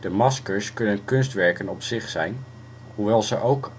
maskers kunnen kunstwerken op zich zijn, hoewel ze ook